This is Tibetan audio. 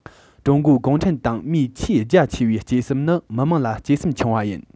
ཀྲུང གོའི གུང ཁྲན ཏང མིའི ཆེས རྒྱ ཆེ བའི གཅེས སེམས ནི མི དམངས ལ གཅེས སེམས འཆང བ ཡིན